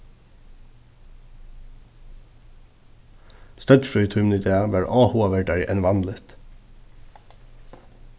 støddfrøðitímin í dag var áhugaverdari enn vanligt